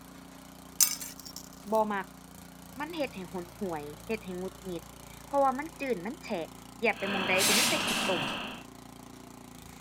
บ่มักมันเฮ็ดให้หนหวย เฮ็ดให้หงุดหงิด เพราะว่ามันจื้นมันแฉะ เหยียบไปหม้องใดก็มีแต่ขี้ตม